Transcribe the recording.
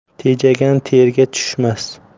tejagan terga tushmas